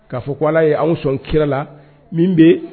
K kaa fɔ ko ala ye anw sɔn kira la min bɛ yen